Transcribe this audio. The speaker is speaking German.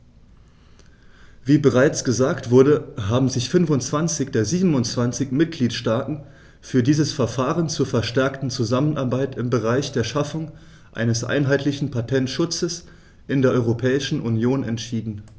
Wie bereits gesagt wurde, haben sich 25 der 27 Mitgliedstaaten für dieses Verfahren zur verstärkten Zusammenarbeit im Bereich der Schaffung eines einheitlichen Patentschutzes in der Europäischen Union entschieden.